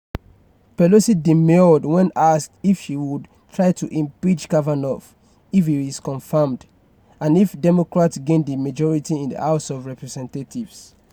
Pelosi demurred when asked if she would try to impeach Kavanaugh if he is confirmed, and if Democrats gain the majority in the House of Representatives.